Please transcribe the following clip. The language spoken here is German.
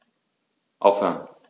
Aufhören.